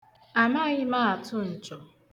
Amaghị m atụ nchọ.